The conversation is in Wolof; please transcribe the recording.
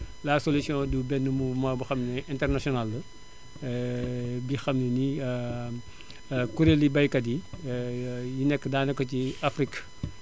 la solution di benn mouvement boo xam ne international la di xam ne ni kuréelu baykat yi yi nekk daanaka ci Afrique